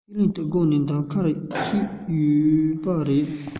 ཁས ལེན ཏིའོ སྒོ ནི གདམ ཁ ཡག ཤོས དེ རེད